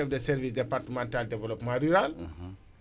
donc vraiment